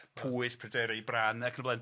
Pwyll, Pryderi, Bran ac yn y blaen.